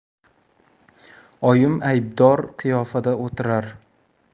oyim aybdor qiyofada o'tirar